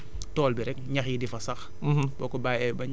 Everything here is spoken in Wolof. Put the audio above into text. la ñu bàyyi tool bi rek ñax yi di fa sax